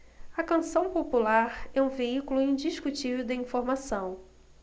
a canção popular é um veículo indiscutível de informação